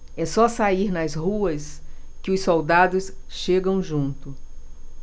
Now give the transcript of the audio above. é só sair nas ruas que os soldados chegam junto